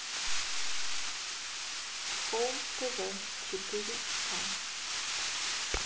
хоум тв четыре ка